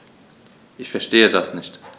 Ich verstehe das nicht.